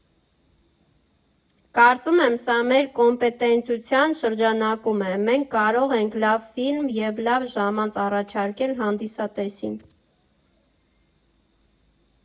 Կարծում եմ, սա մեր կոմպետենտության շրջանակում է, մենք կարող ենք լավ ֆիլմ և լավ ժամանց առաջարկել հանդիսատեսին։